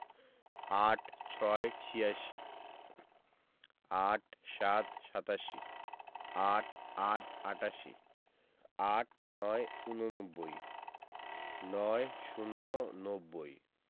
৮৬ – ছিয়াশি ৮৭ – সাতাশি ৮৮ – আটাশি ৮৯ – ঊননব্বই ৯০ - নব্বই